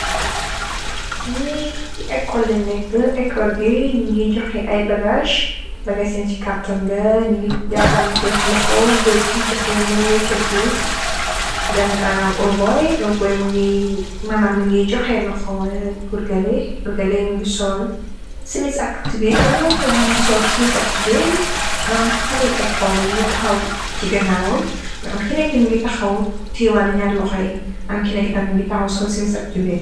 ñi ci ekolle nekk ekol gay ñi ngi joxe ay bagage bagashien ci kartonga ñi ngi jàppante laxo gor ki joxee muy woket bi boy mëna m ngi joxee xo simis ak tub keni moomtam mu ngi sool smith ak tube ngam xali ekol yi ñu taxaw ci ganaawam ngm kene ngim ngi taxaw tiiware ñaar loxo yi ngam kene ngetam bngi taxaw sool simis ak tubet